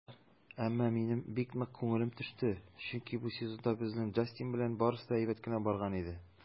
Әмма минем бик нык күңелем төште, чөнки бу сезонда безнең Джастин белән барысы да әйбәт кенә барган иде.